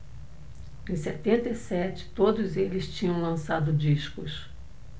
em setenta e sete todos eles tinham lançado discos